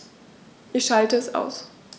Ich schalte es aus.